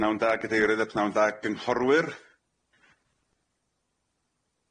Pnawn da Gadeirydd a pnawn da gynghorwyr.